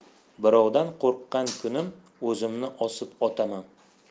birovdan qo'rqqan kunim o'zimni o'zim otaman